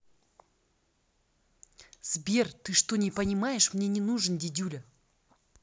сбер ты что не понимаешь мне не нужен дидюля